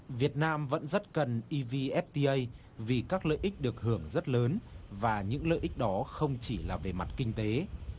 việt nam vẫn rất cần i vi ét ti ây vì các lợi ích được hưởng rất lớn và những lợi ích đó không chỉ là về mặt kinh tế